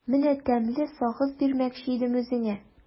Менә тәмле сагыз бирмәкче идем үзеңә.